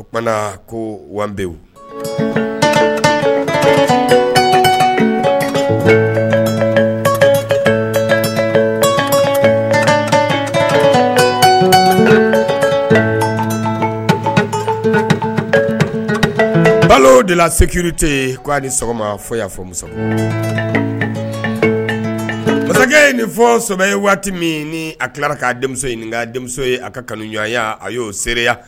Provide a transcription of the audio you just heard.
Oumana ko wabeyiwu balo de sete yen k' a ni sɔgɔma fɔ y'a fɔ mu masakɛ nin fɔ ye waati min ni a tila k' denmuso ɲini k' denmuso ye a ka kanu ɲɔgɔnya a y'o seya